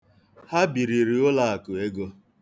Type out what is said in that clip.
Ha biriri ụlọ akụ ego.